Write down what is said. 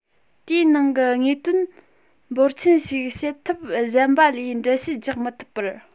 དེའི ནང གི དངོས དོན འབོར ཆེན ཞིག བྱེད ཐབས གཞན པ ལས འགྲེལ བཤད རྒྱག མི ཐོབ པར